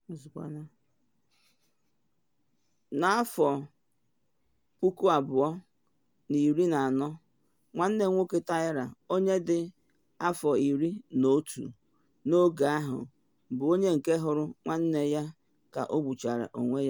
Na 2014, nwanne nwoke Tyler, onye dị 11 n’oge ahụ, bụ onye nke hụrụ nwanne ya ka o gbuchara onwe ya.